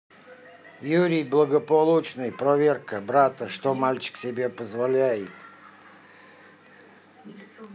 юрий благополучный проверка брата что мальчик себе позволяет